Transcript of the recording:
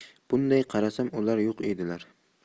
bunday qarasam ular yo'q edilar